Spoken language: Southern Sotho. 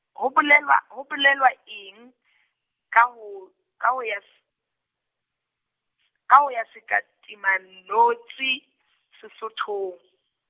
ho bolela, ho bolela eng , ka ho, ka ho ya s-, ka ho ya sekatumanotshi Sesothong.